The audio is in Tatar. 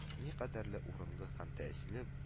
Никадәрле урынлы һәм тәэсиле